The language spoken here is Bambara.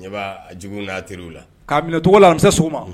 Ɲɛbaa a jugu n'a teriw la, k'a minɛ o cogo la alamisa sɔgɔma